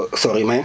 feneen fu ñuy dem